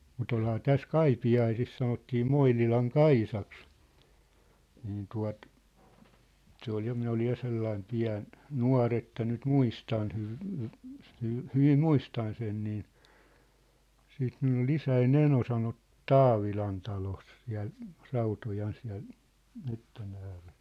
mutta olihan tässä Kaipiaisissa sanottiin Moinilan Kaisaksi niin tuota se oli ja minä olin ja sellainen pieni nuori että nyt muistan --- hyvin muistan sen niin siitä minulla oli isäni eno - Taavilan talossa siellä Rautojan siellä metsän ääressä